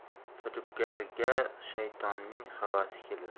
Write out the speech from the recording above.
firibgaiga shaytonning havasi kelar